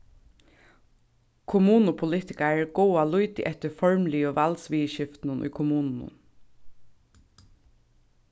kommunupolitikarar gáa lítið eftir formligu valdsviðurskiftunum í kommununum